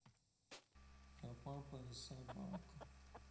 я папа и собака